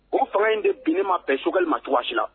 O fanga in de binnin ma bɛn Choguel ma cogoyasi la